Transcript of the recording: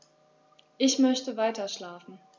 Ich möchte weiterschlafen.